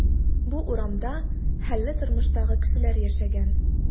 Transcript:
Бу урамда хәлле тормыштагы кешеләр яшәгән.